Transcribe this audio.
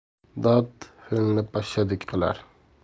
dard filni pashshadek qilar